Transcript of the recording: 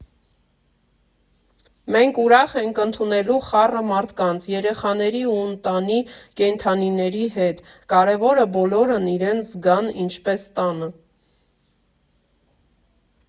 Մենք ուրախ ենք ընդունելու խառը մարդկանց՝ երեխաների ու ընտանի կենդանիների հետ, կարևորը բոլորն իրենց զգան ինչպես տանը»։